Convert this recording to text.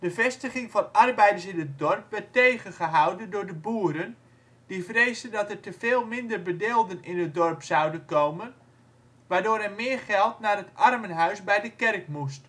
vestiging van arbeiders in het dorp werd tegengehouden door de boeren die vreesden dat er te veel bedeelden in het dorp zouden komen, waardoor er meer geld naar het armenhuis bij de kerk moest. Typisch arbeidershuisje met werkplaats in 2e Nijhoezen De